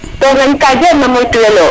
to ŋeñ ka jarna moytu welo